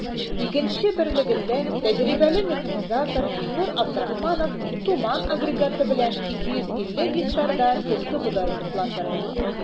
“игенче” берлегендә тәҗрибәле механизатор илнур абдрахманов “туман” агрегаты белән 250 гектарда көзге бодай тукландырды.